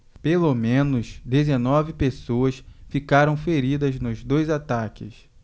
pelo menos dezenove pessoas ficaram feridas nos dois ataques